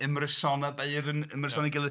Ymryson, a beirdd yn ymryson â'i gilydd.